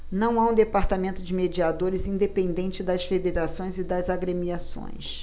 não há um departamento de mediadores independente das federações e das agremiações